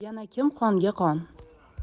yana kim qonga qon